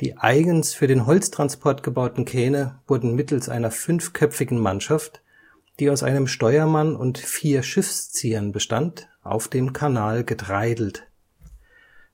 Die eigens für den Holztransport gebauten Kähne wurden mittels einer fünfköpfigen Mannschaft, die aus einem Steuermann und vier Schiffsziehern bestand, auf dem Kanal getreidelt.